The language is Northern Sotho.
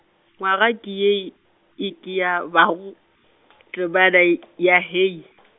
ngwaga ke ye, e ke ya ba go , temana y-, ya Hei.